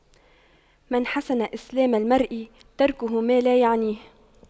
من حسن إسلام المرء تَرْكُهُ ما لا يعنيه